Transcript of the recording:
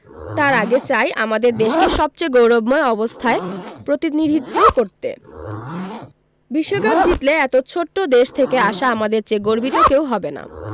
তার আগে চাই আমাদের দেশকে সবচেয়ে গৌরবময় অবস্থায় প্রতিনিধিত্ব করতে বিশ্বকাপ জিতলে এত ছোট্ট দেশ থেকে আসা আমাদের চেয়ে গর্বিত কেউ হবে না